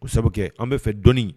K'o sabu kɛ an b'a fɛ